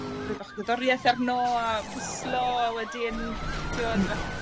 roi bach o gerddorieth arno a pwslo y wedyn t'wod t' bach